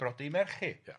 ...br'odi merch hi. Ia.